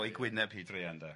o'i gwynab hi, druan 'de.